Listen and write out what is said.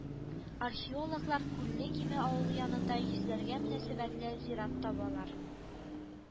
Археологлар Күлле Киме авылы янында йөзләргә мөнәсәбәтле зират табалар